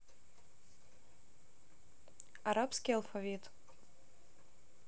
арабский алфавит